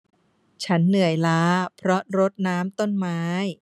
ฉันเหนื่อยล้าเพราะรดน้ำต้นไม้